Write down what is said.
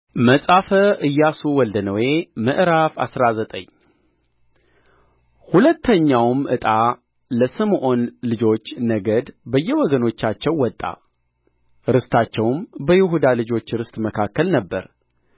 መጽሐፈ ኢያሱ ወልደ ነዌ ምዕራፍ አስራ ዘጠኝ ሁለተኛውም ዕጣ ለስምዖን ልጆች ነገድ በየወገኖቻቸው ወጣ ርስታቸውም በይሁዳ ልጆች ርስት መከከል ነበረ